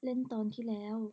เล่นตอนที่แล้ว